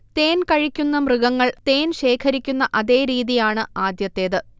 തേൻകഴിക്കുന്ന മൃഗങ്ങൾ തേൻശേഖരിക്കുന്ന അതേ രീതിയാണ് ആദ്യത്തേത്